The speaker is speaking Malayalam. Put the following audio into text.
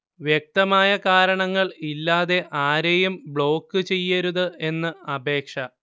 വ്യക്തമായ കാരണങ്ങള് ഇല്ലാതെ ആരെയും ബ്ലോക്ക് ചെയ്യരുത് എന്ന് അപേക്ഷ